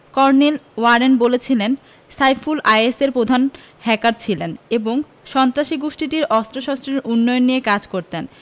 colonel Warren বলেছিলেন সাইফুল আইএসের প্রধান হ্যাকার ছিলেন এবং সন্ত্রাসী গোষ্ঠীটির অস্ত্রশস্ত্রের উন্নয়ন নিয়ে কাজ করতেন